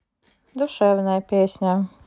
душевная песня